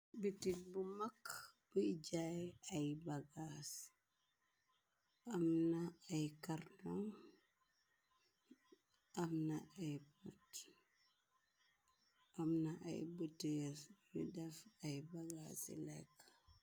Bitik bitik bu mak buy jaay ay bagaas am na ay karton am na ya butèèl yu def ay bagaasi lekka.